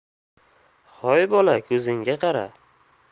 hoy bola ko'zingga qara